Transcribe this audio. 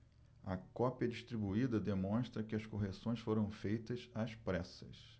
a cópia distribuída demonstra que as correções foram feitas às pressas